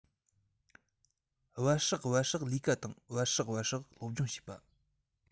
བར ཧྲག བར ཧྲག ལས ཀ དང བར ཧྲག བར ཧྲག སློབ སྦྱོང བྱེད པ